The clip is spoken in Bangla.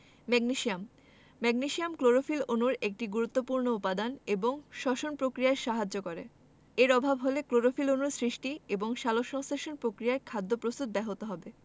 ম্যাগনেসিয়াম ম্যাগনেসিয়াম ক্লোরোফিল অণুর একটি গুরুত্বপুর্ণ উপাদান এবং শ্বসন প্রক্রিয়ায় সাহায্য করে এর অভাব হলে ক্লোরোফিল অণু সৃষ্টি এবং সালোকসংশ্লেষণ প্রক্রিয়ায় খাদ্য প্রস্তুত ব্যাহত হবে